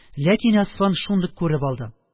Ләкин Әсфан шундук күреп алды